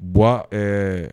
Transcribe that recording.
Bon ɛɛ